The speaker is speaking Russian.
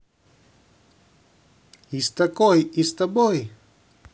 из такой is тобой